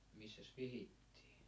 missäs vihittiin